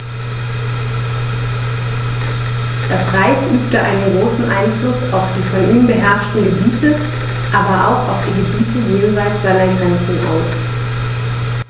Das Reich übte einen großen Einfluss auf die von ihm beherrschten Gebiete, aber auch auf die Gebiete jenseits seiner Grenzen aus.